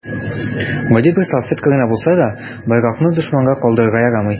Гади бер салфетка гына булса да, байракны дошманга калдырырга ярамый.